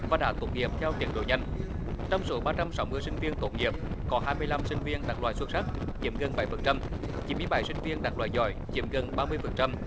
và đã tốt nghiệp theo tiến độ nhanh trong số ba trăm sáu mươi sinh viên tốt nghiệp có hai mươi lăm sinh viên đạt loại xuất sắc chiếm gần bảy phần trăm chín mươi bảy sinh viên đạt loại giỏi chiếm gần ba mươi phần trăm